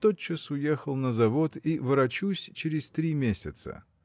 тотчас уехал на завод и ворочусь через три месяца.